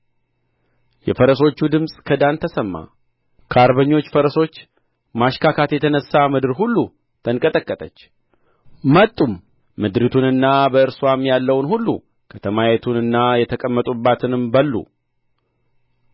የፈረሰኞቹ ድምጽ ከዳን ተሰማ ከአርበኞች ፈረሶች ማሽካካት የተነሣ ምድር ሁሉ ተንቀጠቀጠች መጡም ምድሪቱንና በእርስዋም ያለውን ሁሉ ከተማይቱንና የተቀመጡባትንም በሉ